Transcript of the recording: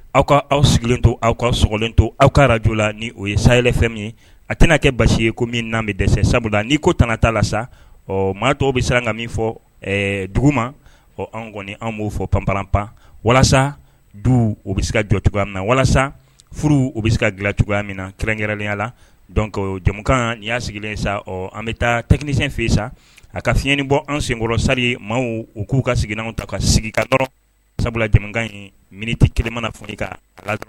Aw ka aw sigilen to aw ka sogolen to aw ka araj la ni o ye sayayfɛn min ye a tɛna n'a kɛ basi ye ko min n'an bɛ dɛsɛ sabula n'i ko tan ta la sa ɔ maa tɔw bɛ se ka min fɔ dugu ma an kɔni an b'o fɔ panp walasa du u bɛ se ka jɔ cogoya na walasa furu u bɛ se ka dilan cogoya min na kɛrɛnkɛrɛnya la dɔnke jamukan nin y'a sigilen sa ɔ an bɛ taa tɛsɛn fɛ sa a ka fiɲɛɲɛnani bɔ an senkɔrɔ sari maaw u k'u ka seginw ta ka sigi ka dɔrɔn sabulajakan in miniti kelen mana na fɔ ka a